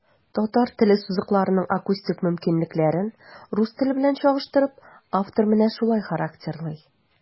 Татар теле сузыкларының акустик мөмкинлекләрен, рус теле белән чагыштырып, автор менә шулай характерлый.